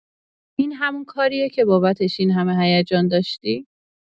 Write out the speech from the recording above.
این همون کاریه که بابتش این‌همه هیجان داشتی؟